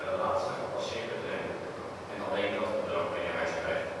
laatste gepasseerde drempel en alleen dat bedrag mee naar huis krijgt